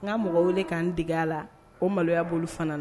N ka mɔgɔ wele k'an dege la ko maloya bolo fana